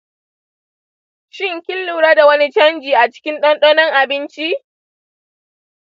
shin kin lura da wani canji a cikin ɗanɗanon abinci?